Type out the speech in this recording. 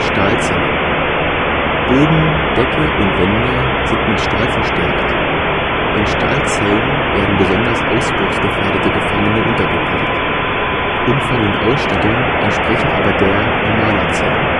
Stahlzelle: Boden, Decke und Wände sind mit Stahl verstärkt. In Stahlzellen werden besonders ausbruchsgefährdete Gefangene untergebracht. Umfang und Ausstattung entsprechen aber der normaler Zellen